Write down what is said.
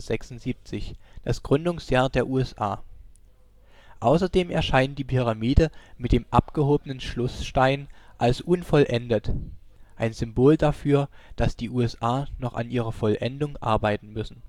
1776), das Gründungsjahr der USA. Außerdem erscheint die Pyramide mit dem abgehobenen Schlussstein als unvollendet, ein Symbol dafür, dass die USA noch an ihrer Vollendung arbeiten müssen